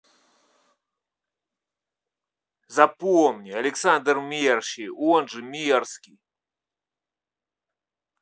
запомни александр мерщий он же мерзкий